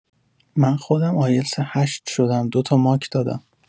من خودم آیلتس ۸ شدم دو تا ماک دادم